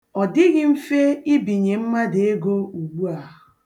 Ọ dịghị mfe ibinye mmadụ ego ugbu a.